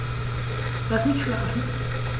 Lass mich schlafen